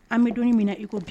An bɛ don minɛ iko